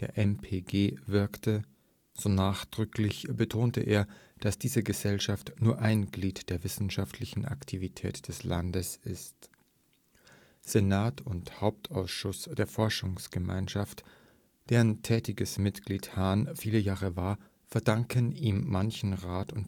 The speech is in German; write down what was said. der MPG wirkte, so nachdrücklich betonte er, dass diese Gesellschaft nur ein Glied der wissenschaftlichen Aktivität des Landes ist. Senat und und Hauptausschuss der Forschungsgemeinschaft, deren tätiges Mitglied Hahn viele Jahre war, verdanken ihm manchen Rat und